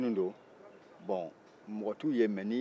jinɛ minnu don bɔn mɔgɔ t'u ye